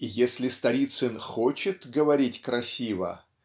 И если Сторицын хочет говорить красиво